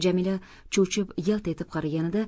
jamila cho'chib yalt etib qaraganida